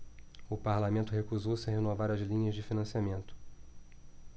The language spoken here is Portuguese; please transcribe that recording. o parlamento recusou-se a renovar as linhas de financiamento